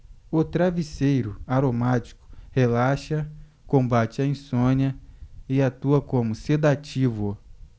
o travesseiro aromático relaxa combate a insônia e atua como sedativo